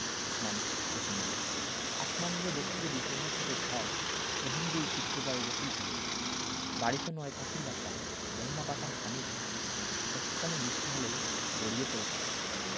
আসমানী জসিমউদ্দিন আসমানীরে দেখতে যদি তোমরা সবে চাও রহিমদির ছোট্ট বাড়ি রসুলপুরে যাও বাড়িতো নয় পাখির বাসা ভেন্না পাতার ছানি একটু খানি বিষ্টি হলেই গড়িয়ে পড়ে পানি